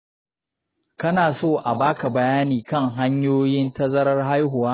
kana so a ba ka bayani kan hanyoyin tazarar haihuwa?